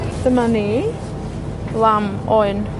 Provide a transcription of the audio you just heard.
Dyma ni. Lamb, oen.